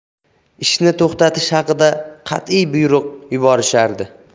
ishni to'xtatish haqida qatiy buyruq yuborishardi